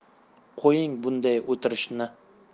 qo'ying bunday o'tirishni